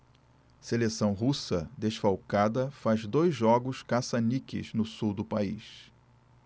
seleção russa desfalcada faz dois jogos caça-níqueis no sul do país